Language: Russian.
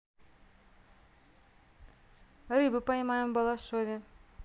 рыбу поймаем в балашове